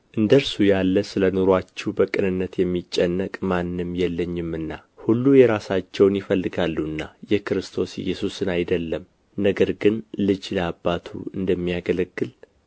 እንደ እርሱ ያለ ስለ ኑሮአችሁ በቅንነት የሚጨነቅ ማንም የለኝምና ሁሉ የራሳቸውን ይፈልጋሉና የክርስቶስ ኢየሱስን አይደለም ነገር ግን ልጅ ለአባቱ እንደ ሚያገለግል